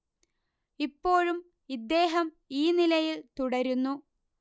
ഇപ്പോഴും ഇദ്ദേഹം ഈ നിലയില് തുടരുന്നു